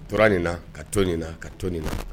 Tɔɔrɔ nin na ka to ɲin ka to ɲin